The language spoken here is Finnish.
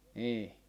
niin